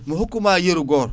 mi hokkuma yeeru goto